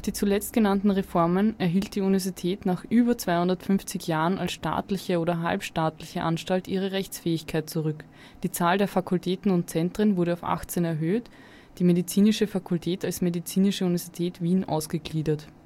zuletzt genannten Reformen erhielt die Universität nach über 250 Jahren als staatliche oder halbstaatliche Anstalt ihre Rechtsfähigkeit zurück, die Zahl der Fakultäten und Zentren wurde auf 18 erhöht (siehe unten), die medizinische Fakultät als Medizinische Universität Wien ausgegliedert